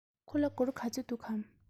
ཁོ ལ སྒོར ག ཚོད འདུག གམ